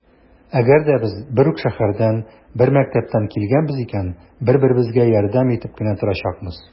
Әгәр дә без бер үк шәһәрдән, бер мәктәптән килгәнбез икән, бер-беребезгә ярдәм итеп кенә торачакбыз.